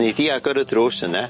Nei di agor y drws yne?